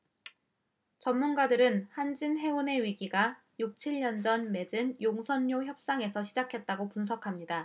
전문가들은 한진해운의 위기가 육 칠 년 전 맺은 용선료 협상에서 시작했다고 분석합니다